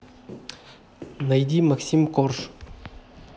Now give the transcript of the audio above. найди максим корж